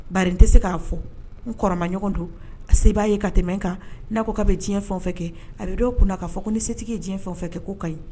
Barin tɛ se k'a fɔ n kɔrɔmaɲɔgɔn don a se b'a ye ka tɛmɛ kan n'a ko ka bɛ diɲɛ fɛn fɛ kɛ a bɛ dɔw kun na k' fɔ ko ni setigi ye diɲɛ fɛn fɛ kɛ'o ka ɲi